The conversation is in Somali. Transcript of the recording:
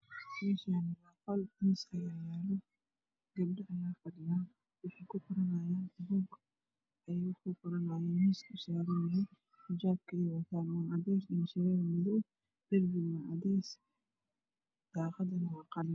Meeshaan waa qol miis ayaa yaalo gabdho ayaa fadhiyaan buug ayay qoranahayaan miiska ayuuna usaaran yahay waxay wataan xijaab cadeys ah iyo indho shareer madow. Darbiguna waa cadeys daaqaduna waa qalin.